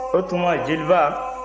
o tuma jeliba